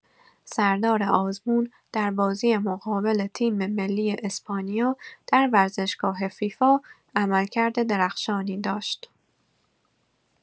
سردار آزمون در بازی مقابل تیم‌ملی اسپانیا در ورزشگاه فیفا عملکرد درخشانی داشت.